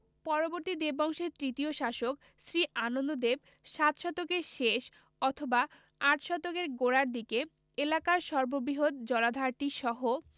পরবর্তী দেববংশের তৃতীয় শাসক শ্রী আনন্দদেব সাত শতকের শেষ অথবা আট শতকের গোড়ার দিকে এলাকার সর্ববৃহৎ জলাধারটিসহ